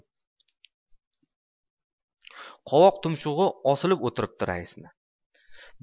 qovoq tumshug'i osilib o'tiribdi raisni